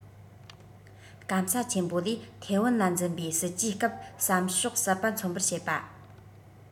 སྐམ ས ཆེན པོ ལས ཐའེ ཝན ལ འཛིན པའི སྲིད ཇུས སྐབས བསམ ཕྱོགས གསར པ མཚོན པར བྱེད པ